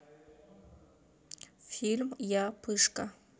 фильм я пышка